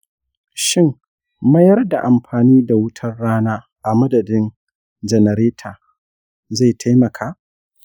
shin mayar da amfani da wutar rana a madadin janareta zai taimaka?